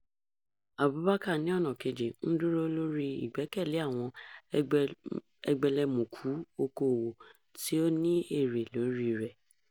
Abubakar, ní ọ̀nà kejì, ń dúró lórí "ìgbẹ́kẹ̀lé" àwọn "ẹgbẹlẹmùkù okòwò tí ó ní èrè lóríi rẹ̀ ".